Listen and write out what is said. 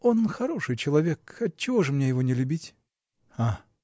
-- Он хороший человек; отчего же мне его не любить? -- А!